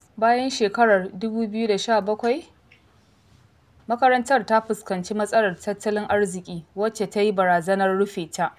Bayan shekarar 2017, makarantar ta fuskanci matsalar tattalin arziƙi wacce ta yi barazanar rufe ta.